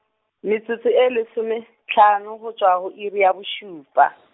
metsotso e lesomehlano go tšwa go iri ya bo šupa.